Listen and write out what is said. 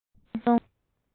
རྙེད འོང